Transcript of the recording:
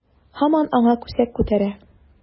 Һаман аңа күсәк күтәрә.